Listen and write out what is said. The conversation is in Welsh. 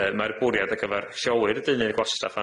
Yy ma'r bwriad ar gyfar lleoli'r deunydd gwastraff